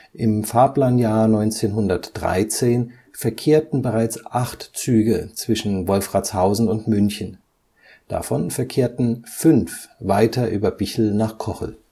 Im Fahrplanjahr 1913 verkehrten bereits acht Züge zwischen Wolfratshausen und München, davon verkehrten fünf weiter über Bichl nach Kochel